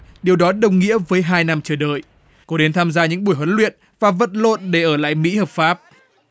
điều đó đồng nghĩa với hai năm chờ đợi cô đến tham gia những buổi huấn luyện và vật lộn để ở lại mỹ hợp pháp